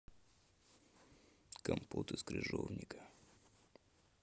компот из крыжовника